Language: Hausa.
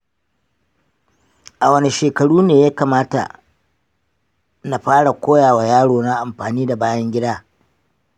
a wane shekaru ne ya kamata na fara koya wa yarona anfani da bayan gida